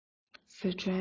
སི ཁྲོན